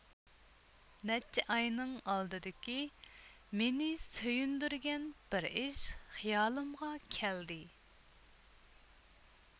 نەچچە ئاينىڭ ئالدىدىكى مېنى سۆيۈندۈرگەن بىر ئىش خىيالىمغا كەلدى